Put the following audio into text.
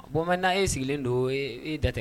Ko na e sigilen don e datɛ